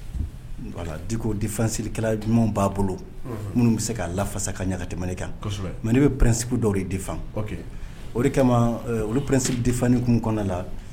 Voilà Dicko différence li kɛla d ɲumanw b'a bolo unhun minnu be se k'a lafasa ka ɲa ka tɛmɛ nin kan kosɛbɛ mais ne be principe dɔw de défend ok o de kama euh olu principe défend ni hokumu kɔɔna na